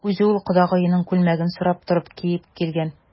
Үзе ул кодагыеның күлмәген сорап торып киеп килгән.